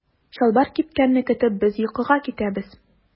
Чалбар кипкәнне көтеп без йокыга китәбез.